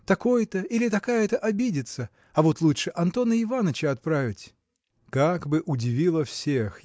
такой-то или такая-то обидится, а вот лучше Антона Иваныча отправить. Как бы удивило всех